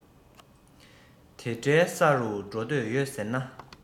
དེ འདྲའི ས རུ འགྲོ འདོད ཡོད ཟེར ན